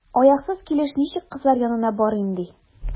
Аяксыз килеш ничек кызлар янына барыйм, ди?